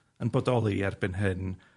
yn bodoli erbyn hyn